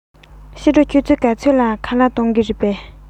ཕྱི དྲོ ཆུ ཚོད ག ཚོད ལ ཁ ལག གཏོང གི རེད པས